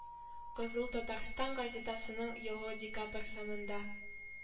Кызыл татарстан газетасының елгы декабрь санында